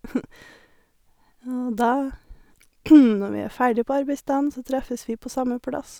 Og da, når vi er ferdig på arbeidsdagen, så treffes vi på samme plass.